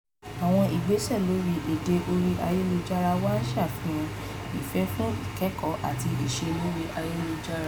Àwọn ìgbésẹ̀ lórí èdè orí ayélujára wá ń ṣàfihàn ìfẹ́ fún ìkẹ́kọ̀ọ́ àti ìṣe lórí ayélujára.